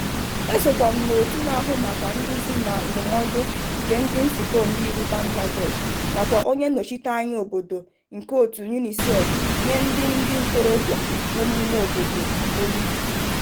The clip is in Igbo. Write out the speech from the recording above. Esokwa m n'otu na-ahụ maka nduzi na ndụmọdụ nke ndị Nzukọ Omeiwu Bangladesh, nakwa onye Nnọchite anya Obodo nke otu UNICEF nye ndị ndị Ntorobịa nọ n'Ime Obodo olu.